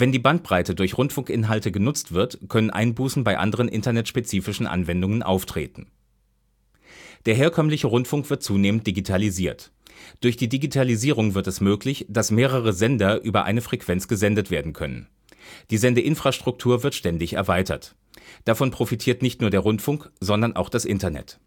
die Bandbreite durch Rundfunkinhalte genutzt wird, können Einbußen bei anderen internetspezifischen Anwendungen auftreten. Der herkömmliche Rundfunk wird zunehmend digitalisiert. Durch die Digitalisierung wird es möglich, dass mehrere Sender über eine Frequenz gesendet werden können. Die Sendeinfrastruktur wird ständig erweitert. Davon profitiert nicht nur der Rundfunk, sondern auch das Internet